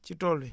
ci tool yi